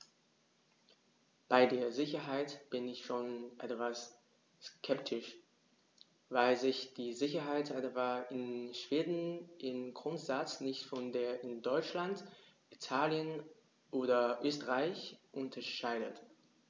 Bei der Sicherheit bin ich schon etwas skeptisch, weil sich die Sicherheit etwa in Schweden im Grundsatz nicht von der in Deutschland, Italien oder Österreich unterscheidet.